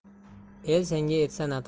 el senga etsa